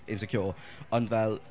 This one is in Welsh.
insecure. Ond fel...